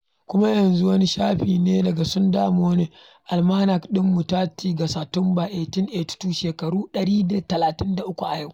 Kuma yanzu wani shafi ne daga "Sunday Morning" Almanac ɗinmu: 30 ga Satumba, 1882, shekaru 136 a yau, ana kuma CI GABA DA ƙIRGE ... ranar da aka haifi masanin ilmin yanayin duniya da zai so gaba Johannes Wilhelm "Hans" Geiger a cikin Jamus.